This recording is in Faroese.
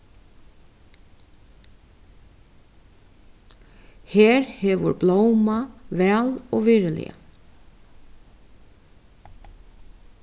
her hevur blómað væl og virðiliga